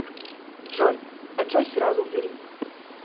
джой а джой сразу убери